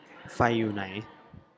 ไฟอยู่ไหน